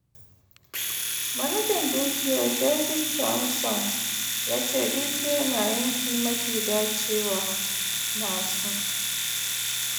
Manajan Dukiyar David Thompson yace dukiyar na yanki mafi dacewa masu.